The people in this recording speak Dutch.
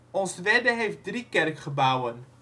Onstwedde heeft drie kerkgebouwen